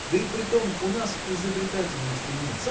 да и притом у нас изобретательности нет